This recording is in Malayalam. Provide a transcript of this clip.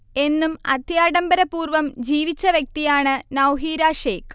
എന്നും അത്യാഢംബര പൂർവ്വം ജീവിച്ച വ്യക്തിയാണ് നൗഹീര ഷേയ്ഖ്